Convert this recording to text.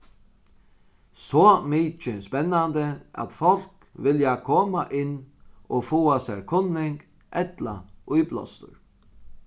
so mikið spennandi at fólk vilja koma inn og fáa sær kunning ella íblástur